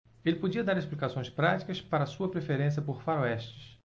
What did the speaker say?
ele podia dar explicações práticas para sua preferência por faroestes